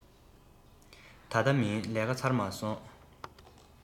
ད ལྟ མིན ལས ཀ ཚར མ སོང